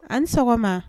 An sɔgɔma